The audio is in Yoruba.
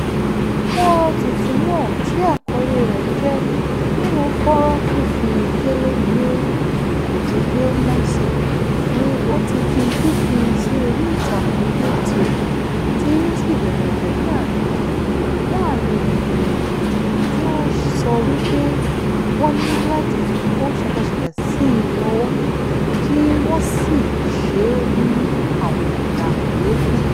Fọ́nrán tuntun náà, tí àkọlé rẹ̀ ń jẹ́ "nínú fọ́nrán, fifi kélé òfin gbé Morsi", ni ó ti di fífi sí orí ìtàkùn YouTube tí ó sì bẹ̀rẹ̀ pẹ̀lú àríyànjiyàn láàárín àwọn ènìyàn [ar] tí wọ́n ń sọ wí pé wọ́n ní láti kó ṣẹ́kẹ́ṣẹkẹ̀ sí "i" lọ́wọ́ kí wọ́n sì "ṣeé bí àwọn ọ̀daràn yòókù".